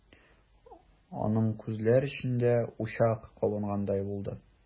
Аның күзләр эчендә учак кабынгандай булды.